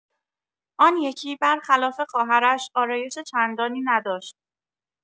آن یکی بر خلاف خواهرش آرایش چندانی نداشت.